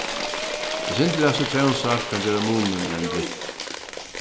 eitt sindur av sitrónsaft kann gera munin í einum drykki